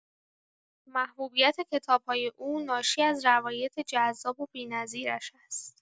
محبوبیت کتاب‌های او ناشی از روایت جذاب و بی‌نظیرش است.